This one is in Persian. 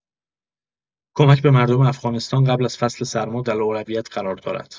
کمک به مردم افغانستان قبل از فصل سرما در اولویت قرار دارد.